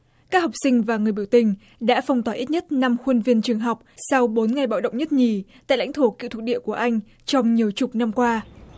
các học sinh và người biểu tình đã phong tỏa ít nhất năm khuôn viên trường học sau bốn ngày bạo động nhất nhì tại lãnh thổ cựu thuộc địa của anh trong nhiều chục năm qua